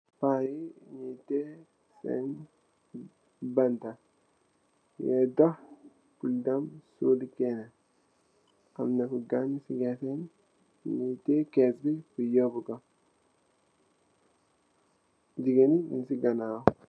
Payi nyungi teyeh sen banta nyungai doh pul dem suli kena am na ku ganyu sey gai sen nyungi teyeh kess bi di yobuko gigaini nyung sey ganaw.